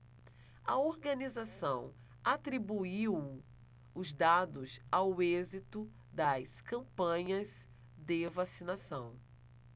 a organização atribuiu os dados ao êxito das campanhas de vacinação